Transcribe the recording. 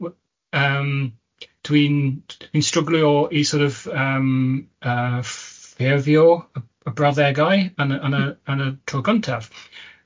w- yym, d- dwi'n d- dwi'n stryglo i sor' of yym, yy, ff- ffurfio b- b- brawddegau yn y yn y yn y tro cyntaf